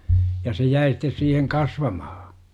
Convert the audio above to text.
ja se jäi sitten siihen kasvamaan